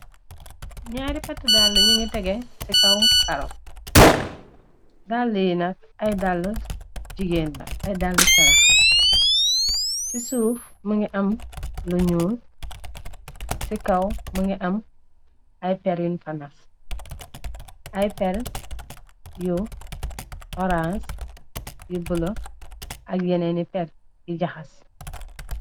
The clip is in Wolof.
Nyaari pat dalla ñu ngi tege ci kaw karopb dall yi nak ay dall jigéen la ay dall carax ci suuf më ngi am lu ñuul ci kaw më ngi am yperi fannas ay per yu orange yu bula ak yenee ni per yi jaxas.